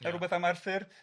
A rwbeth am Arthur.